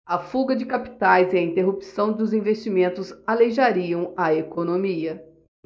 a fuga de capitais e a interrupção dos investimentos aleijariam a economia